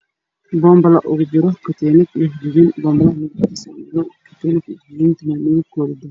Boombalo oo ugu jiro katiinad iyo jin jin boombalaha midabkiisa waa madow jin jinta midabkooda dahabi.